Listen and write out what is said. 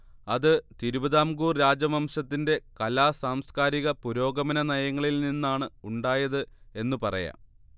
അത് തിരുവിതാംകൂർ രാജവംശത്തിന്റെ കലാ സാംസ്കാരിക പുരോഗമന നയങ്ങളിൽ നിന്നാണ് ഉണ്ടായത് എന്ന് പറയാം